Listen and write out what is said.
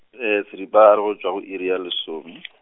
seripagare go tšwa go iri ya lesome.